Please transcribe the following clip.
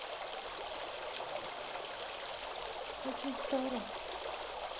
очень старый